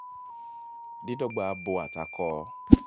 Dídọ̀gba abo atakọ